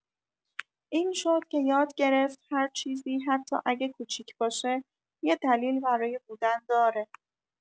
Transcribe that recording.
این شد که یاد گرفت هر چیزی حتی اگه کوچیک باشه، یه دلیل برای بودن داره.